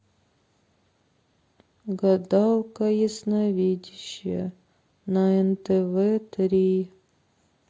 гадалка ясновидящая на тв три